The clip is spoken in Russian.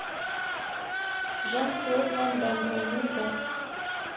жан клод ван дамм двойной удар